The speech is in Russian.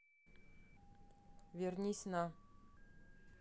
вернись на